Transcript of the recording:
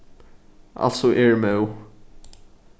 altso eg eri móð